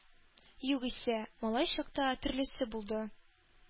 Югыйсә, малай чакта төрлесе булды.